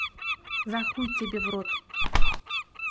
захуй тебе в рот